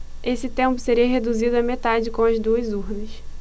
esse tempo seria reduzido à metade com as duas urnas